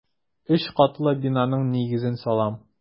Өч катлы бинаның нигезен салам.